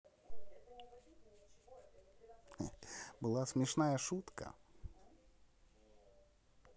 была смешная шутка